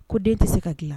Ko den tɛ se ka' la